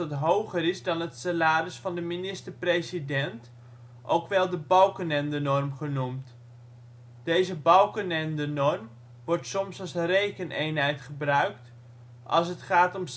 hoger is dan het salaris van de minister-president, ook wel de balkenendenorm genoemd. Deze balkenendenorm wordt soms als rekeneenheid gebruikt, als het gaat om salarissen